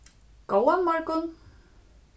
góðan morgun